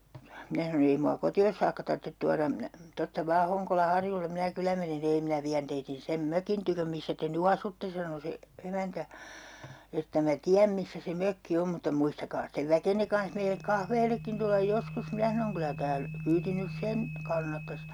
minä sanoin ei minua kotiin saakka tarvitse tuoda minä tuosta vain Honkolan harjulle minä kyllä menen - ei minä vien teidän sen mökin tykö missä te nyt asutte sanoi se emäntä että minä tiedän missä se mökki on mutta muistakaa sitten väkenne kanssa meille kahvillekin tulla joskus minä sanoin kyllä - kyyti nyt sen kannattaisi